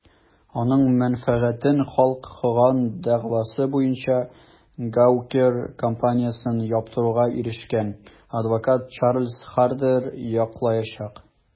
Аның мәнфәгатен Халк Хоган дәгъвасы буенча Gawker компаниясен яптыруга ирешкән адвокат Чарльз Хардер яклаячак.